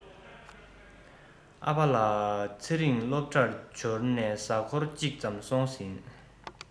ཨ ཕ ལ ཚེ རིང སློབ གྲྭར འབྱོར ནས གཟའ འཁོར གཅིག ཙམ སོང ཟིན